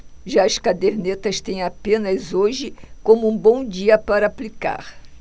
já as cadernetas têm apenas hoje como um bom dia para aplicar